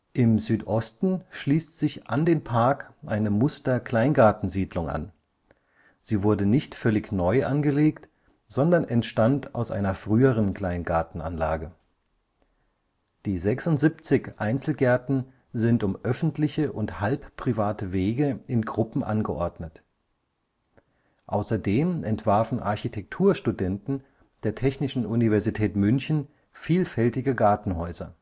Im Südosten schließt sich an den Park eine Muster-Kleingartensiedlung an. Sie wurde nicht völlig neu angelegt sondern entstand aus einer früheren Kleingartenanlage. Die 76 Einzelgärten sind um öffentliche und halbprivate Wege in Gruppen angeordnet. Außerdem entwarfen Architekturstudenten der Technischen Universität München vielfältige Gartenhäuser